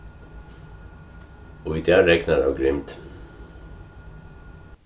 í dag regnar av grimd